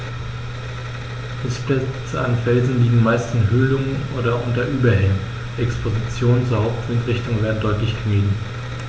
Nistplätze an Felsen liegen meist in Höhlungen oder unter Überhängen, Expositionen zur Hauptwindrichtung werden deutlich gemieden.